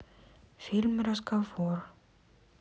фильм разговор